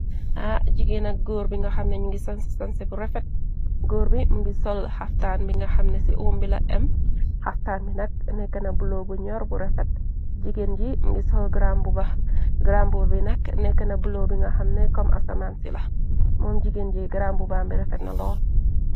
Ar Jigéenak góor bi nga xamneñ ngi sonsistanse bu refet gór bi mu ngi sol xaftaan bi nga xam ne ci uom bi la im xaftaan bi nak nekëna bulo bu ñoor bu refet jigéen ji mungi sol graan buba bi nakk nekëna buloo bi nga xamne kom asamaan si la moom jigéen ji gram buban bi refet na lol.